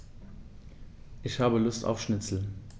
Ich habe Lust auf Schnitzel.